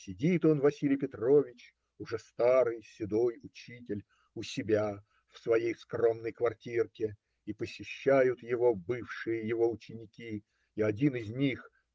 сидит он, Василий Петрович, уже старый, седой учитель, у себя, в своей скромной квартире, и посещают его бывшие его ученики, и один из них